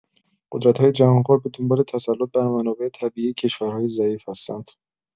قدرت‌های جهانخوار به دنبال تسلط بر منابع طبیعی کشورهای ضعیف هستند.